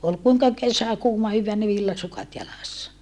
oli kuinka kesä kuuma hyvään niin villasukat jalassa